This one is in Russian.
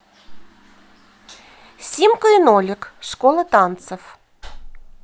симка и нолик школа танцев